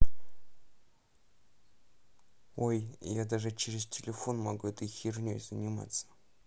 ой я даже через телефон могу этой херней заниматься